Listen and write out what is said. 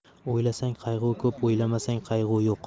o'ylasang qayg'u ko'p o'ylamasang qayg'u yo'q